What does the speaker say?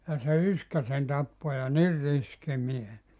ja se yskä sen tappoi ja niin riski mies